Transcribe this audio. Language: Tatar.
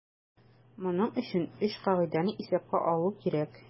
Моның өчен өч кагыйдәне исәпкә алу кирәк.